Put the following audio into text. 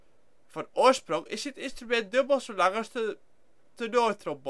oorsprong is dit instrument dubbel zolang als de tenortrombone. Door